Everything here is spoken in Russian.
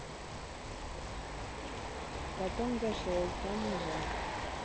потом зашел там уже